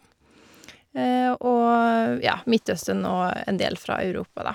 Og, ja, Midtøsten, og en del fra Europa, da.